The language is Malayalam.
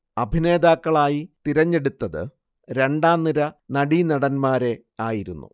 അഭിനേതാക്കളായി തിരഞ്ഞെടുത്തത് രണ്ടാംനിര നടീനടൻമാരെയായിരുന്നു